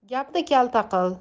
gapni kalta qil